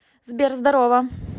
сбер здорово